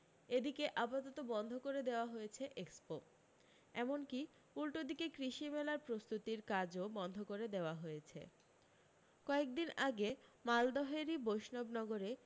এদিকে আপাতত বন্ধ করে দেওয়া হয়েছে এক্সপো এমনকি উল্টোদিকে কৃষি মেলার প্রস্তুতির কাজও বন্ধ করে দেওয়া হয়েছে কয়েকদিন আগে মালদহেরই বৈষ্ণব নগরে